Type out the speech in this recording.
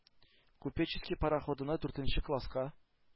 “купеческий“ пароходына, дүртенче класска